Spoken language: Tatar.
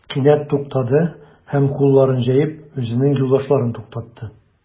Кинәт туктады һәм, кулларын җәеп, үзенең юлдашларын туктатты.